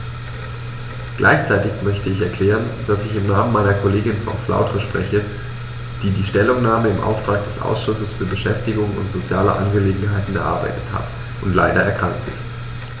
Gleichzeitig möchte ich erklären, dass ich im Namen meiner Kollegin Frau Flautre spreche, die die Stellungnahme im Auftrag des Ausschusses für Beschäftigung und soziale Angelegenheiten erarbeitet hat und leider erkrankt ist.